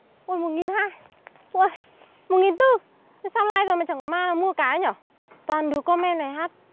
uầy một nghìn hai uầy một nghìn tư sao lai rồi mà chẳng có ma nào mua cá nhờ toàn đứa com men bài hát